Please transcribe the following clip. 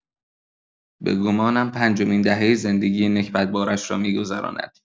به گمانم پنجمین دهۀ زندگی نکبت‌بارش را می‌گذراند.